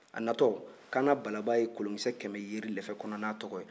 a natɔ kaana balaba ye kolonkisɛ kɛmɛ yaeri lɛfɛ kɔnɔ n'a tɔgɔ ye